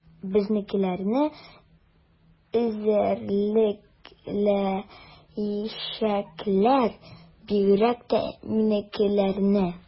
Безнекеләрне эзәрлекләячәкләр, бигрәк тә минекеләрне.